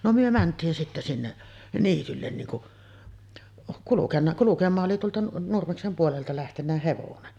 no me mentiin sitten sinne niitylle niin kun kulkenut kulkemaan oli tuolta Nurmeksen puolelta lähtenyt hevonen